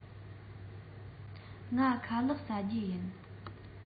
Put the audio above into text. ང ཁ ལགས བཟའ རྒྱུ ཡིན